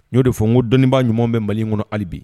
N'o de fɔ ko dɔnniinbaa ɲumanw bɛ mali in kɔnɔ halibi